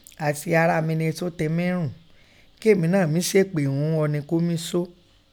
Àṣé ara mi nẹ esó tẹ mí dùn, k'èmi náà mí ṣépè ún ọni kó mí só